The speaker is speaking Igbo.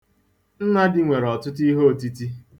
Nnadị nwere ọtụtụ iheotiti.